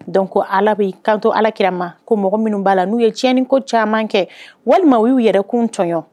Don ko ala b'i kanto alakirama ko mɔgɔ minnu b'a la n'u ye tiɲɛn ko caman kɛ walima u y'u yɛrɛkun tɔɔn